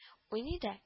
Уйный да